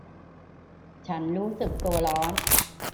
ฉันรู้สึกตัวร้อน